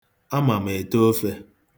Ama m ete ofe.